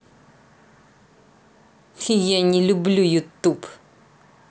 я не люблю youtube